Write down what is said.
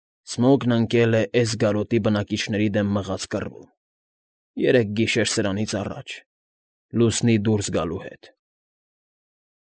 Սմոգը ընկել է Էսգարոտի բնակիչների դեմ մղած կռվում, երեք գիշեր սրանից առաջ, լուսնի դուրս գալու հետ։